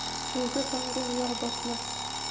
suvga tomgan yog' botmas